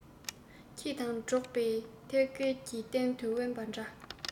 ཁྱེད དང འགྲོགས པའི ཐོབ སྐལ གྱིས གཏན དུ དབེན པ འདྲ